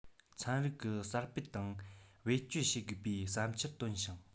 ཚན རིག གིས གསར སྤེལ དང བེད སྤྱོད བྱེད དགོས པའི བསམ འཆར བཏོན ཞིང